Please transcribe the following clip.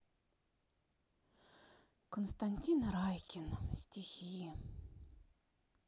константин райкин стихи